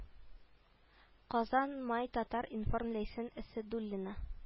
Казан май татар-информ ләйсән әсәдуллина